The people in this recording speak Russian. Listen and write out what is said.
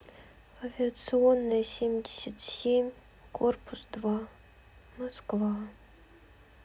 авиационная семьдесят семь корпус два москва